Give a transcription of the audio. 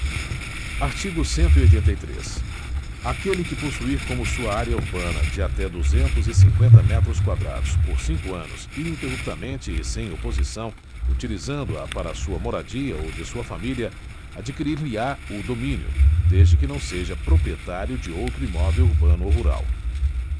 artigo cento e oitenta e três aquele que possuir como sua área urbana de até duzentos e cinqüenta metros quadrados por cinco anos ininterruptamente e sem oposição utilizando a para sua moradia ou de sua família adquirir lhe á o domínio desde que não seja proprietário de outro imóvel urbano ou rural